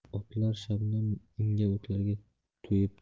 otlar shabnam ingan o'tlarga to'yibdi